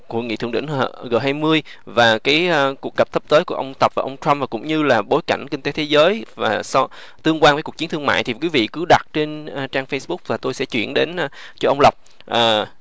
của nghị thượng đỉnh gờ hai mươi và cái a cuộc gặp sắp tới của ông tập và ông trăm và cũng như là bối cảnh kinh tế thế giới và sau tương quan với cuộc chiến thương mại thì quý dị cứ đặt trên trang phây búc và tui sẽ chuyển đến a cho ông lộc à